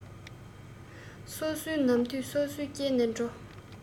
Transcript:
སོ སོའི ནམ དུས སོ སོས བསྐྱལ ནས འགྲོ